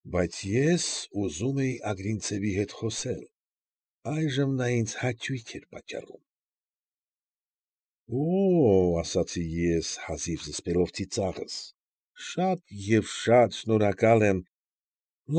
Բայց ես ուզում էի Ագրինցևի հետ խոսել. այժմ նա ինձ հաճույք է պատճառում։ ֊ Օ՜օ,֊ ասացի ես, հազիվ զսպելով ծիծաղս,֊ շատ և շատ շնորհակալ եմ։